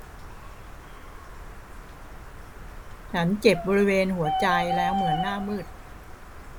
ฉันเจ็บบริเวณหัวใจแล้วเหมือนหน้ามืด